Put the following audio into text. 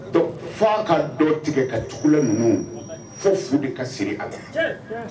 Fo ka dɔ tigɛ ka jugula ninnu fo fo de ka siri a la